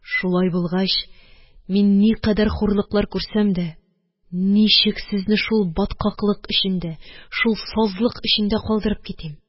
Шулай булгач, мин, никадәр хурлыклар күрсәм дә, ничек сезне шул баткаклык эчендә, шул сазлык эчендә калдырып китим.